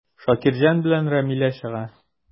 Шакирҗан белән Рамилә чыга.